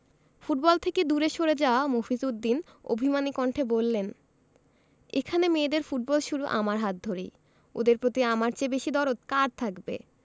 football থেকে দূরে সরে যাওয়া মফিজ উদ্দিন অভিমানী কণ্ঠে বললেন এখানে মেয়েদের ফুটবল শুরু আমার হাত ধরেই ওদের প্রতি আমার চেয়ে বেশি দরদ কার থাকবে